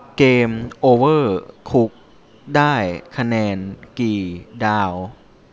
เกมโอเวอร์คุกได้คะแนนกี่ดาว